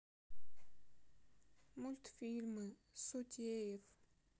мультфильмы сутеев